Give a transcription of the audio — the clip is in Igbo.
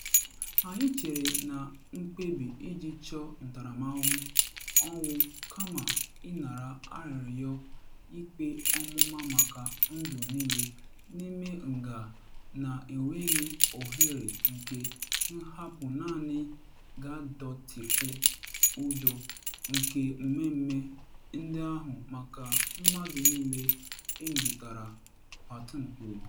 “Anyị chere na mkpebi iji chọọ ntaramahụhụ ọnwụ kama ịnara arịrịọ ikpe ọmụma maka ndụ niile n’ime nga na enweghị ohere nke nhapụ naanị ga-adọtịkwu ụjọ nke mmemme ndị ahụ maka mmadụ niile emetụtara,” Patton kwuru.